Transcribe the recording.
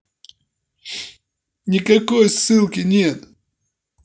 никакой ссылки нет